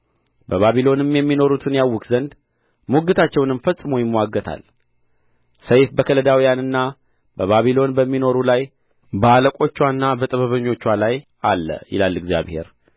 በባቢሎንም የሚኖሩትን ያውክ ዘንድ ሙግታቸውን ፈጽም ይምዋገታል ሰይፍ በከለዳውያንና በባቢሎን በሚኖሩ ላይ በአለቆችዋና በጥበበኞችዋ ላይ አለ ይላል እግዚአብሔር